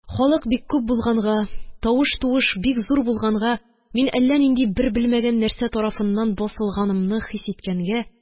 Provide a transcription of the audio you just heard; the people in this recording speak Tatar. Халык бик күп булганга, тавыш-туыш бик зур булганга, мин әллә нинди бер белмәгән нәрсә тарафыннан басылганымны хис иткәнгә